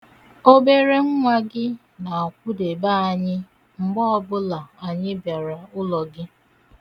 Obere nwa gị na-akwụdebe anyị mgbe ọbụla anyị bịara ụlọ gị.